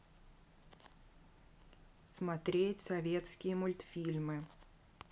смотреть советские мультфильмы